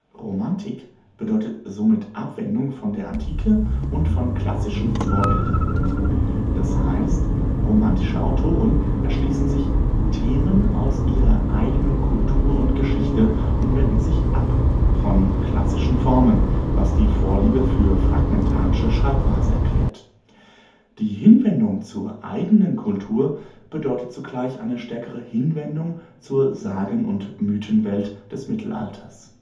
Romantik bedeutet somit Abwendung von der Antike und von klassischen Vorbildern. Das heißt, romantische Autoren erschließen sich Themen aus ihrer eigenen Kultur und Geschichte und wenden sich ab von klassischen Formen, was die Vorliebe für fragmentarische Schreibweise erklärt. Die Hinwendung zur eigenen Kultur bedeutet zugleich eine stärkere Hinwendung zur Sagen - und Mythenwelt des Mittelalters